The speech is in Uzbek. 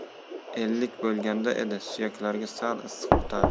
ellik bo'lganda edi suyaklarga sal issiq o'tardi